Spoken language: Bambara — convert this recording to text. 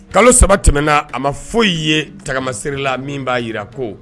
Kalo saba tɛmɛna a ma foyi ye tagama serila min b'a jira ko